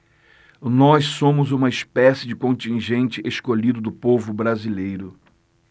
nós somos uma espécie de contingente escolhido do povo brasileiro